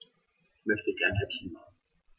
Ich möchte gerne Häppchen machen.